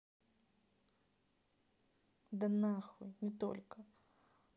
да нахуй не только